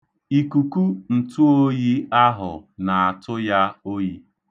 Ikuku ntụoyi ahụ na-atụ ya oyi.